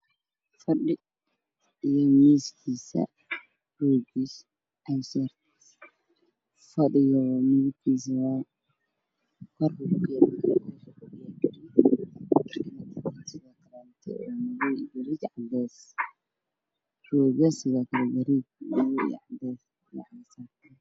Waa fadhi iyo miiskiisa waxay ka kooban yihiin midnimadooda midooday dhulka waa shumac madow layr ayaa kaga hayay darbiyada waa caddaan